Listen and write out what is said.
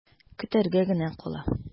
Көтәргә генә кала.